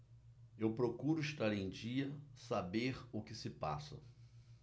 eu procuro estar em dia saber o que se passa